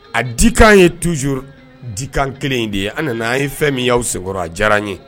A dikan ye tuzjo dikan kelen in de ye an nana a ye fɛn min'aw senkɔrɔ a diyara n ye